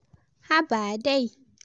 haba dai.’’